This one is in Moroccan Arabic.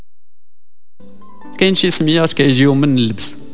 انش سم يا سكاي يوم نلبس